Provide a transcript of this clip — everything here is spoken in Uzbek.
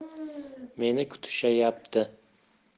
meni kutishayapti